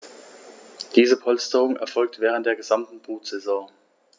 Diese Polsterung erfolgt während der gesamten Brutsaison.